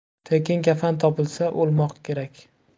tekin kafan topilsa oimoq kerak